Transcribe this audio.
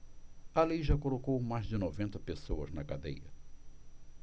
a lei já colocou mais de noventa pessoas na cadeia